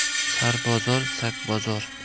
sarbozor sakbozor